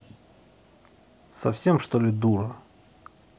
совсем что ли дура